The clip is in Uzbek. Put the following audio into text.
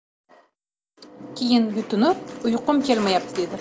keyin yutunib uyqum kelmayapti dedi